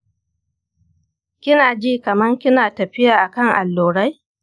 kina ji kaman kina tafiya akan allurai?